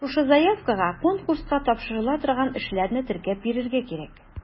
Шушы заявкага конкурска тапшырыла торган эшләрне теркәп бирергә кирәк.